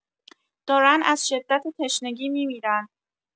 دارن از شدت تشنگی میمیرن